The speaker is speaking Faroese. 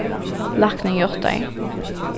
læknin játtaði